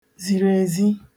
zirièzi